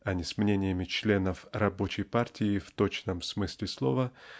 а не с мнениями членов "рабочей партии" в точном смысле слова